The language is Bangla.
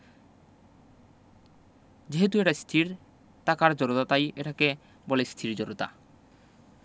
যেহেতু এটা স্থির থাকার জড়তা তাই এটাকে বলে স্থির জড়তা